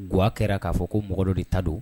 Gwa kɛra k'a fɔ ko mɔgɔ dɔ de ta don.